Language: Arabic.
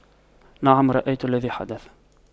نعم رأيت الذي حدث